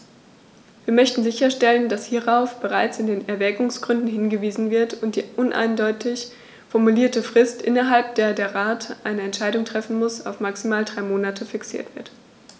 Wir möchten sicherstellen, dass hierauf bereits in den Erwägungsgründen hingewiesen wird und die uneindeutig formulierte Frist, innerhalb der der Rat eine Entscheidung treffen muss, auf maximal drei Monate fixiert wird.